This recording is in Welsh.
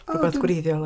rywbeth gwreiddiol a...